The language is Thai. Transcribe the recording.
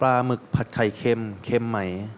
ปลาหมึกผัดไข่เค็มเค็มไหม